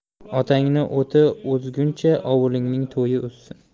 otangning oti o'zguncha ovulingning toyi o'zsin